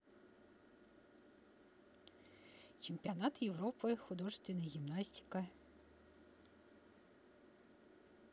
чемпионат европы художественная гимнастика